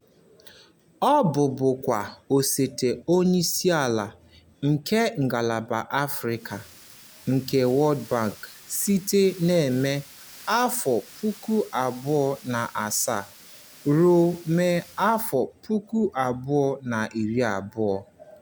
Ọ bụbukwa osote onyeisiala nke ngalaba Afịrịka nke World Bank site na Mee 2007 ruo Mee 2012.